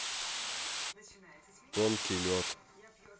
тонкий лед